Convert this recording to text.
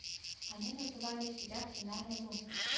Они называли себя сынами луны